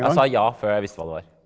jeg sa ja før jeg visste hva det var.